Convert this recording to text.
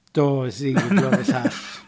Do, dwi es i giglo 'fo llall.